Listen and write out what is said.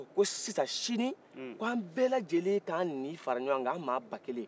ko sisan ko an bɛɛ lajɛlen k'an ni fara ɲɔgɔn kan an maa ba kelen